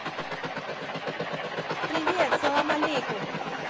привет салам алейкум